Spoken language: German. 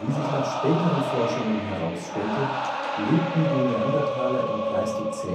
sich nach späteren Forschungen herausstellte, lebten die Neandertaler im Pleistozän